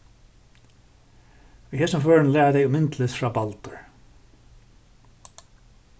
í hesum førinum læra tey um myndlist frá baldur